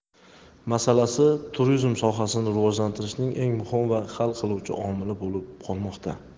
masalasi turizm sohasini rivojlantirishning eng muhim va hal qiluvchi omili bo'lib qolmoqda